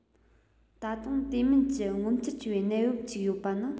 ད དུང དེ མིན གྱི ངོ མཚར ཆེ བའི གནས བབ ཅིག ཡོད པ ནི